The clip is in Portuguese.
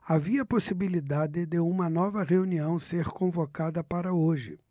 havia possibilidade de uma nova reunião ser convocada para hoje